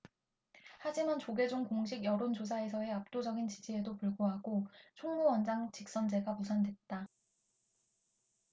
하지만 조계종 공식 여론조사에서의 압도적인 지지에도 불구하고 총무원장 직선제가 무산됐다